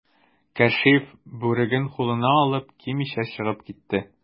Кәшиф, бүреген кулына алып, кимичә чыгып китте.